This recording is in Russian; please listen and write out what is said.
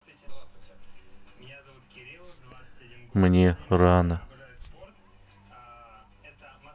мне рано